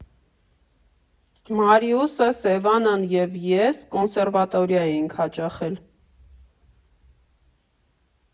Մարիուսը, Սևանան և ես կոնսերվատորիա ենք հաճախել։